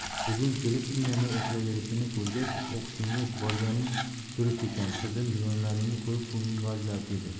bugun kelib indamay o'tiraverishini ko'rgach o'qishingga borganing durust ekan qizim dugonalaringni ko'rib ko'ngling yoziladi dedi